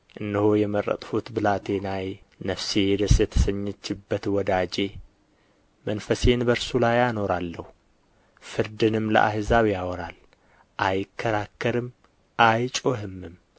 እነሆ የመረጥሁት ብላቴናዬ ነፍሴ ደስ የተሰኘችበት ወዳጄ መንፈሴን በእርሱ ላይ አኖራለሁ ፍርድንም ለአሕዛብ ያወራል አይከራከርም አይጮህምም